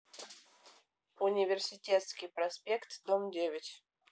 университетский проспект дом девять